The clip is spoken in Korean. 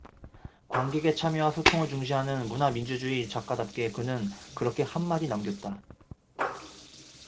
관객의 참여와 소통을 중시하는 문화민주주의 작가답게 그는 그렇게 한 마디 남겼다